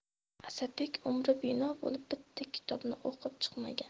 asadbek umri bino bo'lib bitta kitobni o'qib chiqmagan